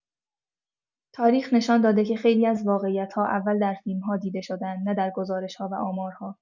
تاریخ نشان داده که خیلی از واقعیت‌ها اول در فیلم‌ها دیده شده‌اند، نه در گزارش‌ها و آمارها.